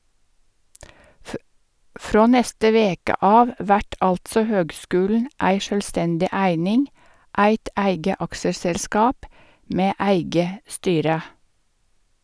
Frå neste veke av vert altså høgskulen ei sjølvstendig eining, eit eige aksjeselskap med eige styre.